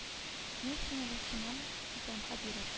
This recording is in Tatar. Мин сине лейтенант итәм хәбиров